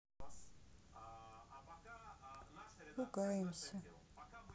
ругаемся